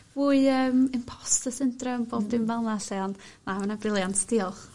Fwy yym imposter syndrom pob dim fel 'na 'lly on' . Na wnna brilliant diolch.